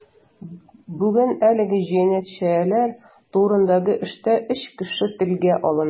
Бүген әлеге җинаятьләр турындагы эштә өч кеше телгә алына.